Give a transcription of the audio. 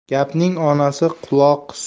gapning onasi quloq